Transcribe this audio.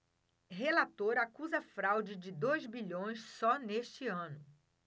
relator acusa fraude de dois bilhões só neste ano